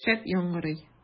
Шәп яңгырый!